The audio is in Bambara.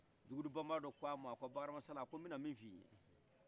jugubu banbadɔ k' ama a ko bakary hama sala mina min fiye